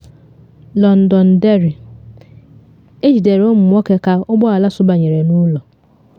Londonderry: Ejidere ụmụ nwoke ka ụgbọ ala sụbanyere n’ụlọ